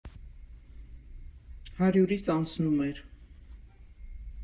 Հարյուրից անցնում էր։